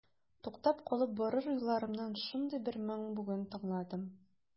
Туктап калып барыр юлларымнан шундый бер моң бүген тыңладым.